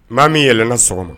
Maa min yɛlɛɛlɛnna sɔgɔma